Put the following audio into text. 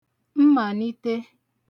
mmànite